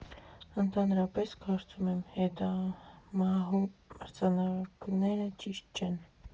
Ընդհանրապես կարծում եմ՝ հետմահու մրցանակները ճիշտ չեն։